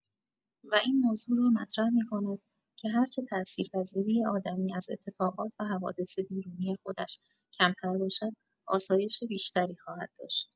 و این موضوع را مطرح می‌کند که هرچه تاثیرپذیری آدمی از اتفاقات و حوادث بیرونی خودش کمتر باشد، آسایش بیشتری خواهد داشت.